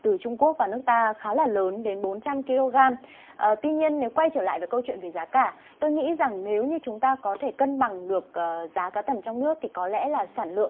từ trung quốc vào nước ta khá là lớn đến bốn trăm ki lô gam ở tuy nhiên nếu quay trở lại với câu chuyện về giá cả tôi nghĩ rằng nếu như chúng ta có thể cân bằng được cờ giá cá tầm trong nước thì có lẽ là sản lượng